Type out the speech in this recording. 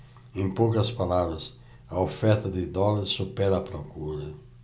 em poucas palavras a oferta de dólares supera a procura